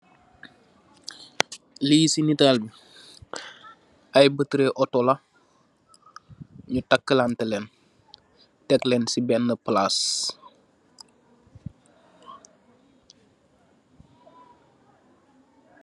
Li si netal bi ay battery auto la nyu teklanteh lenn teeg len bena palac.